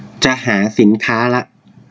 จะหาสินค้าละ